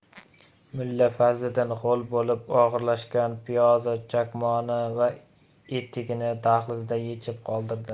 mulla fazliddin ho'l bo'lib og'irlashgan piyozi chakmoni va etigini dahlizda yechib qoldirdi